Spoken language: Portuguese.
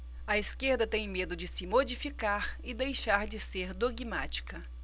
a esquerda tem medo de se modificar e deixar de ser dogmática